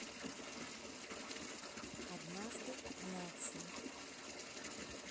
однажды ночью